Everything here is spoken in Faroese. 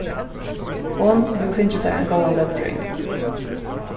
hon hevur fingið sær ein góðan løgfrøðing